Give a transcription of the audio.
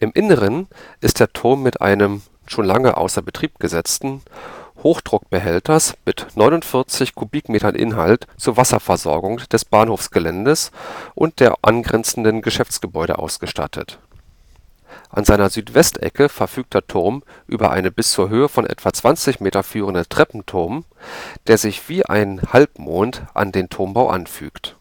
Inneren ist der Turm mit einem – schon lange außer Betrieb gesetzten – Hochdruckbehälter mit 49 m³ Inhalt zur Wasserversorgung des Bahnhofsgeländes und der angrenzenden Geschäftsgebäude ausgestattet. An seiner Südwestecke verfügt der Turm über einen bis zur Höhe von etwa 20m führenden Treppenturm, der sich wie ein Halbmond an den Turmbau anfügt